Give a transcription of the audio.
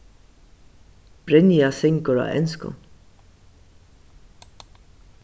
brynja syngur á enskum